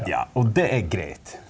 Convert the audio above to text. ja, og det er greit.